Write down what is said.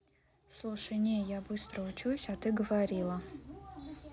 слушай не я быстро учусь а ты говорила